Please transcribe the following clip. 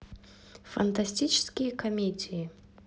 фантастические комедии